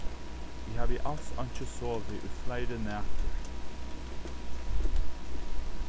eg havi als einki sovið í fleiri nætur